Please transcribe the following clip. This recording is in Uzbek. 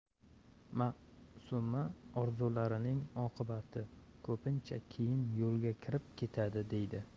ma'suma orzularining oqibati ko'pincha keyin yo'lga kirib ketadi deydi